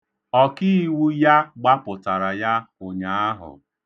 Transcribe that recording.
Ọkiiwu ya gbapụtara ya ụnyaahụ.